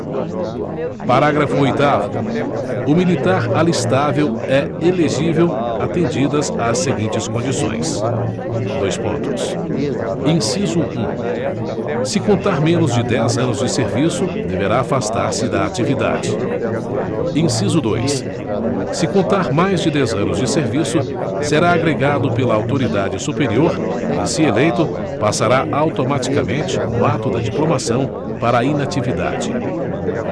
parágrafo oitavo o militar alistável é elegível atendidas as seguintes condições dois pontos inciso um se contar menos de dez anos de serviço deverá afastar se da atividade inciso dois se contar mais de dez anos de serviço será agregado pela autoridade superior e se eleito passará automaticamente no ato da diplomação para a inatividade